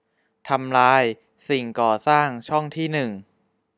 ทำลายสิ่งก่อสร้างช่องที่หนึ่ง